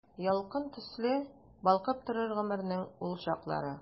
Ялкын төсле балкып торыр гомернең ул чаклары.